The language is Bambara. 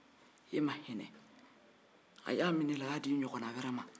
e ma hinɛ a y'a minɛ i k'a di i ɲɔgɔnna wɛrɛ ma